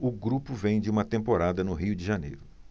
o grupo vem de uma temporada no rio de janeiro